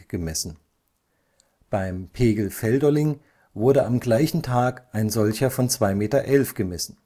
gemessen. Beim Pegel Feldolling wurde am gleichen Tag ein solcher von 2,11 m gemessen